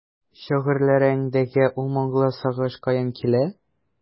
Шигырьләреңдәге ул моңлы сагыш каян килә?